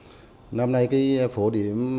năm nay cái phổ điểm